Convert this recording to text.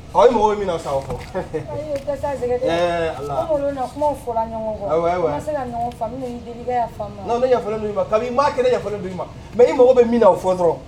Ɔ mako min sa fɔ maa kelen mɛ i mago bɛ min na o fɔ dɔrɔn